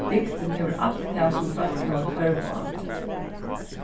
bygdin hevur alt tað sum fólk hava tørv á